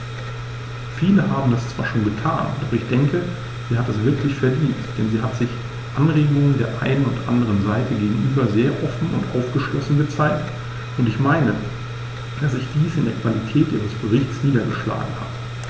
Viele haben das zwar schon getan, doch ich denke, sie hat es wirklich verdient, denn sie hat sich Anregungen der einen und anderen Seite gegenüber sehr offen und aufgeschlossen gezeigt, und ich meine, dass sich dies in der Qualität ihres Berichts niedergeschlagen hat.